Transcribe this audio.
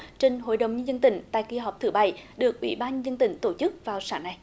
trình hội đồng nhân dân tỉnh tại kỳ họp thứ bảy được ủy ban nhân dân tỉnh tổ chức vào sáng nay